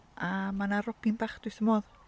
A ma' 'na robin bach dwi wrth fy modd.